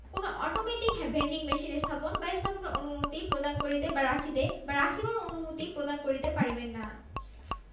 কোন automatic vending machine স্থাপন বা স্থাপনের অনুমতি প্রদান করিতে বা রাখিতে বা রাখিবার অনুমতি প্রদান করিতে পারিবে না